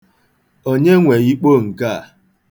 Onye nwe ikpo nke a?